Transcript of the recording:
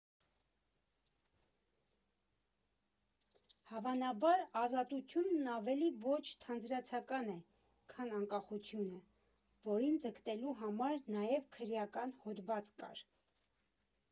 Հավանաբար ազատությունն ավելի ոչ թանձրացական է, քան անկախությունը, որին ձգտելու համար նաև քրեական հոդված կար։